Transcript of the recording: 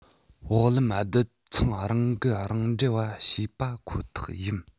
བོགས ལེན དུད ཚང རང འགུལ ངང འབྲེལ བ བྱེད པ ཁོ ཐག ཡིན